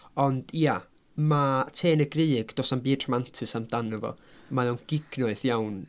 Ond ia, ma' Te yn y Grug, does na'm byd rhamantus amdano fo. Mae o'n gignoeth iawn.